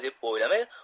deb o'ylamay